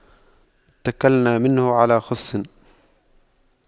اتَّكَلْنا منه على خُصٍّ